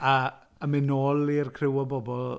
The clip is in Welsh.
A a mynd nôl i'r criw o bobl.